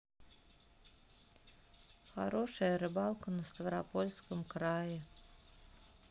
хорошая рыбалка на ставропольском крае